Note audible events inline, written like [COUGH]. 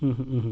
[HESITATION] [HESITATION]